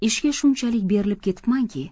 ishga shunchalik berilib ketibmanki